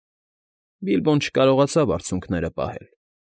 Բիլբոն չկարողացավ արցունքները պահել։